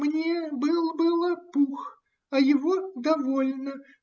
– Мне был бы лопух, а его довольно